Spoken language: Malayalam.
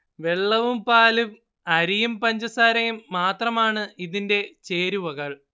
വെള്ളവും പാലും അരിയും പഞ്ചസാരയും മാത്രമാണ് ഇതിന്റെ ചേരുവകൾ